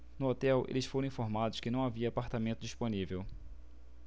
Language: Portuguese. no hotel eles foram informados que não havia apartamento disponível